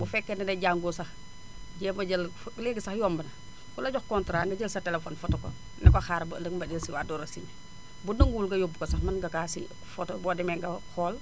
bu fekkee ne jàngoo sax jéem a jël fo léegi sax yomb na ku la jox contrat nga jël sa tépéphone foto ko ne ko xaaral ba ëllëg nga jël si waat door a signé bu nanguwul nga yóbbu ko sax mën nga kaa signé foto boo demee nga xool